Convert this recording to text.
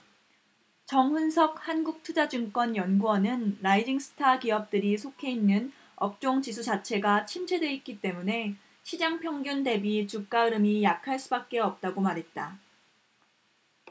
정훈석 한국투자증권 연구원은 라이징 스타 기업들이 속해 있는 업종지수 자체가 침체돼 있기 때문에 시장 평균 대비 주가 흐름이 약할 수밖에 없다고 말했다